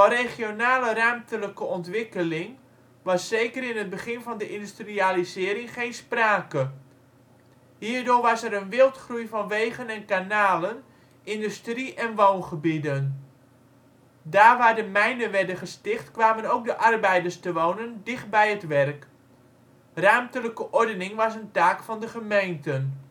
regionale ruimtelijke ontwikkeling was zeker in het begin van de industrialisering geen sprake. Hierdoor was er een wildgroei van wegen en kanalen, industrie - en woongebieden. Daar waar de mijnen werden gesticht kwamen ook de arbeiders te wonen, dicht bij het werk. Ruimtelijke ordening was een taak van de gemeenten